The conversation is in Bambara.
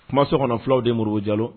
Kuma so kɔnɔ fulaw de muru jalo